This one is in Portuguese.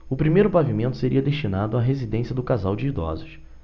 o primeiro pavimento seria destinado à residência do casal de idosos